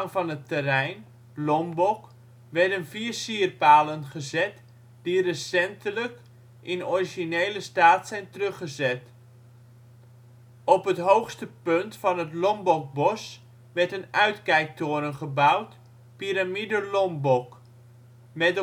van het terrein (Lombok) werden vier sierpalen gezet, die recentelijk (2003) in originele staat zijn teruggezet. Op het hoogste punt van het Lombokbos werd een uitkijktoren gebouwd " Pyramide Lombok ", met